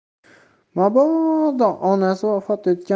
mabodo onasi vafot etgan